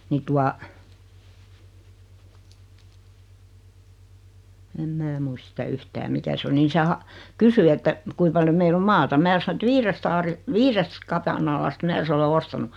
niin tuota en minä muista sitä yhtään mikä se oli niin se - kysyi että kuinka paljon meillä on maata minä sanoin että viidestä - viidestä kapanalasta minä sen olen ostanut